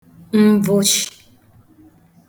mvụshị